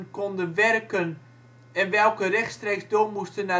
konden werken en welke rechtstreeks door moesten